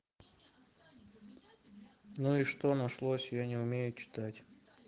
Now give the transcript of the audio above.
ну и что нашлось я не умею читать